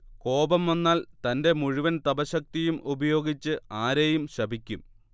കോപം വന്നാൽ തന്റെ മുഴുവൻ തപഃശക്തിയും ഉപയോഗിച്ച് ആരെയും ശപിക്കും